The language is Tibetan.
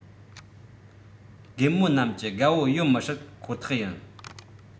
རྒད མོ རྣམས ཀྱི དགའ བོ ཡོད མི སྲིད ཁོ ཐག ཡིན